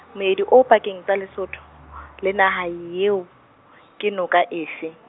moedi e pakeng tsa Lesotho , le naha eo , ke noka efe.